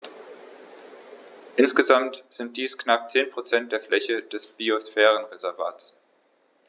Insgesamt sind dies knapp 10 % der Fläche des Biosphärenreservates.